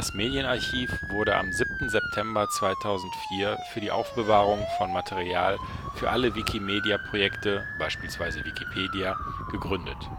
Medienarchiv wurde am 7. September 2004 für die Aufbewahrung von Material für alle Wikimedia-Projekte, beispielsweise Wikipedia, gegründet